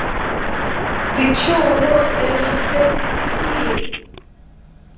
ты че урод это же блядь для детей